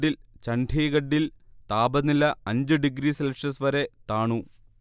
ചണ്ഡീഗഢിൽ താപനില അഞ്ച് degree Celsius വരെ താണു